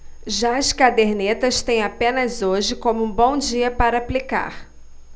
já as cadernetas têm apenas hoje como um bom dia para aplicar